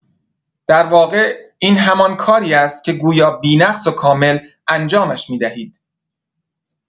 درواقع این همان کاری است که گویا بی‌نقص و کامل انجامش می‌دهید.